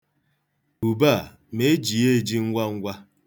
Ube a, mee jie eji ngwa ngwa.